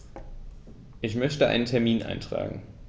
Ich möchte einen Termin eintragen.